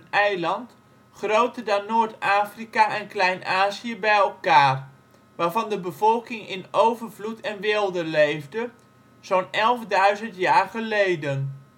eiland, " groter dan Noord-Afrika en Klein-Azië bij elkaar ", waarvan de bevolking in overvloed en weelde leefde, zo 'n 11.000 jaar geleden. Tijdens